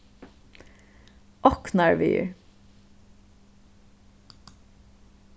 oknarvegur